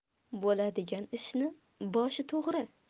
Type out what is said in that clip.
bo'ladigan ishning boshi to'g'ri